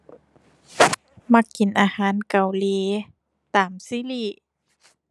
มักกินอาหารเกาหลีตามซีรีส์